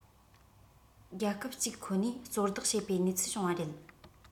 རྒྱལ ཁབ གཅིག ཁོ ནས གཙོ བདག བྱེད པའི གནས ཚུལ བྱུང བ རེད